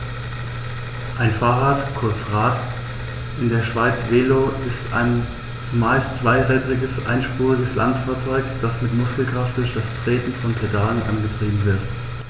Ein Fahrrad, kurz Rad, in der Schweiz Velo, ist ein zumeist zweirädriges einspuriges Landfahrzeug, das mit Muskelkraft durch das Treten von Pedalen angetrieben wird.